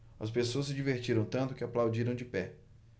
as pessoas se divertiram tanto que aplaudiram de pé